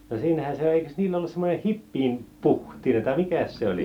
no siinähän se oli eikös niillä ollut semmoinen hipiän puhtiainen tai mikäs se oli